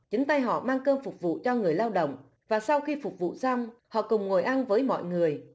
chính tay họ mang cơm phục vụ cho người lao động và sau khi phục vụ xong họ cùng ngồi ăn với mọi người